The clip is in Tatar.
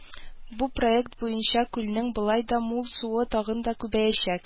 Бу проект буенча күлнең болай да мул суы тагын да күбәячәк